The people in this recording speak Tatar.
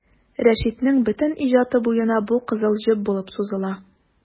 Рәшитнең бөтен иҗаты буена бу кызыл җеп булып сузыла.